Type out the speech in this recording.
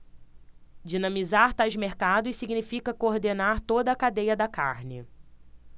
dinamizar tais mercados significa coordenar toda a cadeia da carne